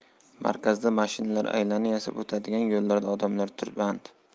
markazda mashinalar aylana yasab o'tadigan yo'llarda odamlar tirband